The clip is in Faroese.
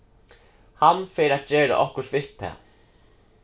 hann fer at gera okkurt við tað